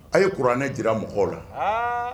A ye kuranɛ jira mɔgɔw la